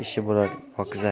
ishi bo'lar pokiza